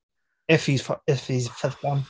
If he's f- if he's ffyddlon.